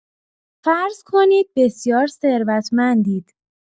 فرض کنید بسیار ثروتمندید